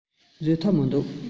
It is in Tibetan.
བཟོད ཐབས མི འདུག